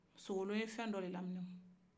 sogolon ye fɛn dɔ de laminɛ o